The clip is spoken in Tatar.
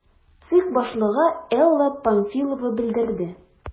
ЦИК башлыгы Элла Памфилова белдерде: